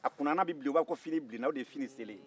a kunnana bɛ bilen u b'a fɔ ko fini bilenna o de ye fini selen ye